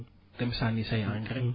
dem sànni say engrais